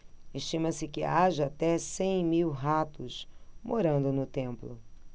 estima-se que haja até cem mil ratos morando no templo